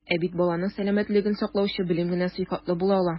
Ә бит баланың сәламәтлеген саклаучы белем генә сыйфатлы була ала.